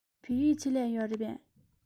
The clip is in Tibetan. བོད ཡིག ཆེད ལས ཡོད རེད པས